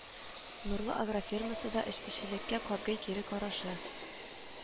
Нурлы агрофирмасы да эчкечелеккә катгый кире карашы